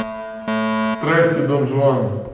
страсти дон жуана